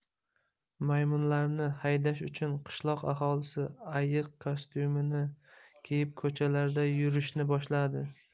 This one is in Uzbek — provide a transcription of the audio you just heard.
maymunlarni haydash uchun qishloq aholisi ayiq kostyumini kiyib ko'chalarda yurishni boshladi